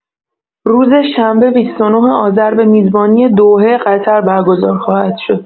روز شنبه ۲۹ آذر به میزبانی دوحه قطر برگزار خواهد شد.